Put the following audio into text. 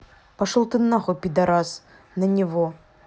пошел на хуй пидараз на его